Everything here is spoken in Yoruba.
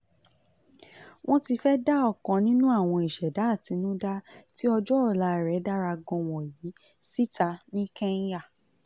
Wọ́n ti fẹ́ da ọkan nínú àwọn ìṣẹ̀dá àtinúdá tí ọjọ́ ọ̀la rẹ̀ dára gan wọ̀nyìí síta ní Kenya.